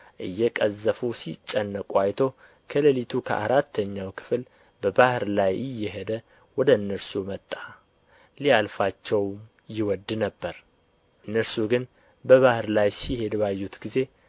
እየቀዘፉ ሲጨነቁ አይቶ ከሌሊቱ በአራተኛው ክፍል በባሕር ላይ እየሄደ ወደ እነርሱ መጣ ሊያልፋቸውም ይወድ ነበር እነርሱ ግን በባሕር ላይ ሲሄድ ባዩት ጊዜ